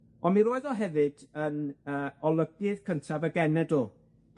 on' mi roedd o hefyd yn yy olygydd cyntaf y genedl,